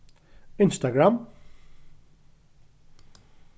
instagram